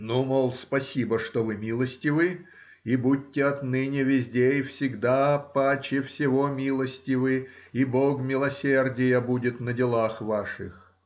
— Ну, мол, спасибо, что вы милостивы, и будьте отныне везде и всегда паче всего милостивы, и бог милосердия будет на делах ваших.